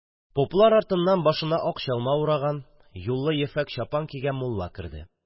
Поплар артыннан башына ак чалма ураган, юл-юллы ефәк чапан кигән мулла керде.